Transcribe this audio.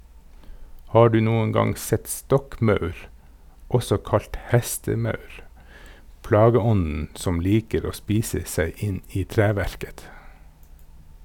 Har du noen gang sett stokkmaur, også kalt hestemaur, plageånden som liker å spise seg inn i treverket?